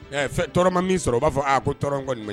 Tɔɔrɔɔrɔ ma min sɔrɔ o b'a fɔ a ko tɔɔrɔ kɔni ɲuman